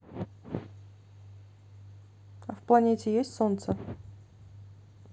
а в планете есть солнце